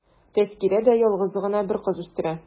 Тәзкирә дә ялгызы гына бер кыз үстерә.